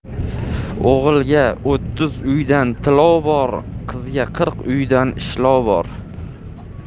o'g'ilga o'ttiz uydan tilov bor qizga qirq uydan ishlov bor